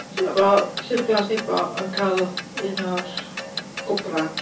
Dwi'n meddwl bod Llyfr Glas Nebo yn cael un o'r gwobrau.